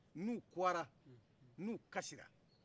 n'u kɔgɔra n'u kasira